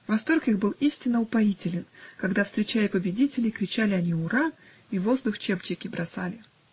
Восторг их был истинно упоителен, когда, встречая победителей, кричали они: ура! И в воздух чепчики бросали.